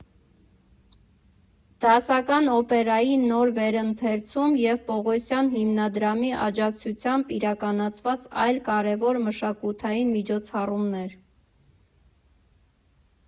Դասական օպերայի նոր վերընթերցում և Պողոսյան հիմնադրամի աջակցությամբ իրկանացված այլ կարևոր մշակութային միջոցառումներ։